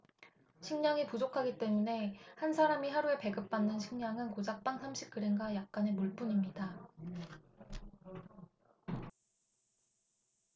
식량이 부족하기 때문에 한 사람이 하루에 배급받는 식량은 고작 빵 삼십 그램과 약간의 물뿐입니다